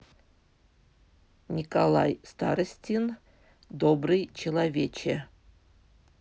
николай старостин добрый человече